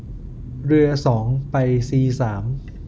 เรือสองไปซีสาม